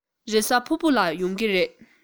རེས གཟའ ཕུར བུ ལ ཡོང གི རེད